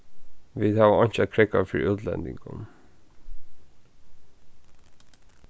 vit hava einki at krógva fyri útlendingum